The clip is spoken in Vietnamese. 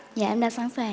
dạ em đã sẵn sàng